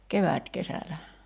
kevätkesällä